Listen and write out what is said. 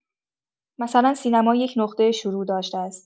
مثلا سینما یک نقطه شروع داشته است.